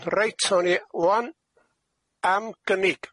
Reit, awn ni ŵan am gynnig.